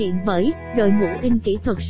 thực hiện bởi đội ngũ inkythuatso